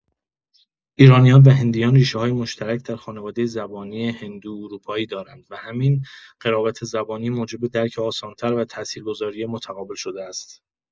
ایرانیان و هندیان ریشه‌های مشترک در خانواده زبانی هندواروپایی دارند و همین قرابت زبانی موجب درک آسان‌تر و تأثیرگذاری متقابل شده است.